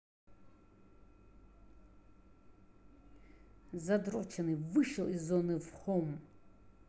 задроченый вышел из зоны в home